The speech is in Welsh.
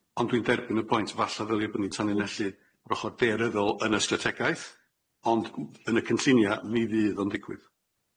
Ond dwi'n derbyn y pwynt falla ddylia bo ni'n tanlinelli ochr daearyddol yn y strategaeth, ond w- yn y cynllunia mi fydd o'n digwydd.